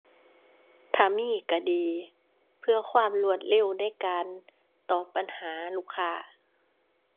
ถ้ามีก็ดี เพื่อความรวดเร็วในการตอบปัญหาลูกค้า